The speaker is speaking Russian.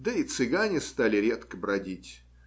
Да и цыгане стали редко бродить